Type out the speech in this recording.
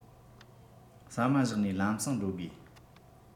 ཟ མ བཞག ནས ལམ སེང འགྲོ དགོས